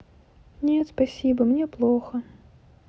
нет спасибо мне плохо